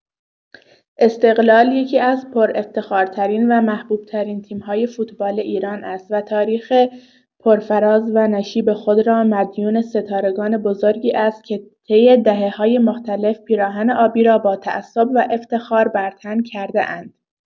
استقلال یکی‌از پرافتخارترین و محبوب‌ترین تیم‌های فوتبال ایران است و تاریخ پرفراز و نشیب خود را مدیون ستارگان بزرگی است که طی دهه‌های مختلف پیراهن آبی را با تعصب و افتخار بر تن کرده‌اند.